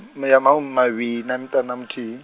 mi ya mahumimavhi- na miṱana- muthihi.